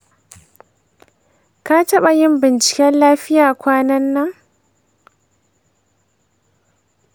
ka taba yin binciken lafiya kwanan nan?